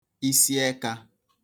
isiẹka